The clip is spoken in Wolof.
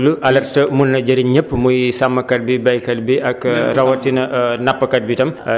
kon alerte moom ñëpp mun nañu ko déglu alerte mun na jëriñ ñëpp muy sàmmkat bi béykat bi ak